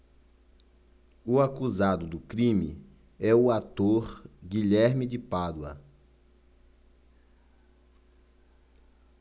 o acusado do crime é o ator guilherme de pádua